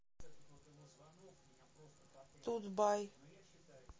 тут бай